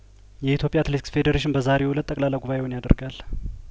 የኢትዮጵያ አትሌቲክስ ፌዴሬሽን በዛሬው እለት ጠቅላላ ጉበኤውን ያደርጋል